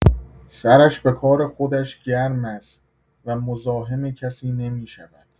سرش به کار خودش گرم است و مزاحم کسی نمی‌شود.